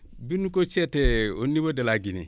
bi nu ko seetee au niveau de la Guinée